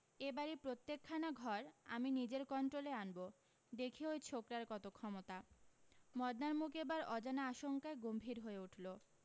এ বাড়ীর প্রত্যেকখানা ঘর আমি নিজের কণ্ট্রোলে আনবো দেখি ওই ছোকরার কত ক্ষমতা মদনার মুখ এবার অজানা আশঙ্কায় গম্ভীর হয়ে উঠলো